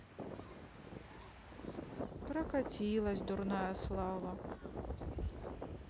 прокатилась дурная слава